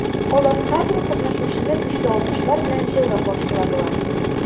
Алар һәрбер катнашучыны көчле алкышлар белән җылы каршыладылар.